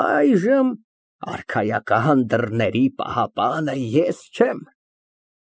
Այժմ արքայության դռների պահապանն ես չեմ։